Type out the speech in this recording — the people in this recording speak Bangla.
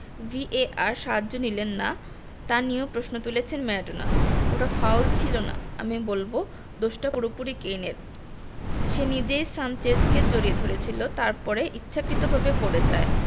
ভিএআর সাহায্য নিলেন না তা নিয়েও প্রশ্ন তুলেছেন ম্যারাডোনা ওটা ফাউল ছিল না আমি বলব দোষটা পুরোপুরি কেইনের সে নিজেই সানচেজকে জড়িয়ে ধরেছিল তারপরে ইচ্ছাকৃতভাবে পড়ে যায়